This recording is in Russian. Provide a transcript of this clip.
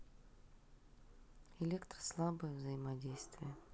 электрослабое взаимодействие